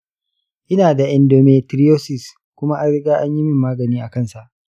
ina da endometriosis kuma an riga an yi min magani a kansa.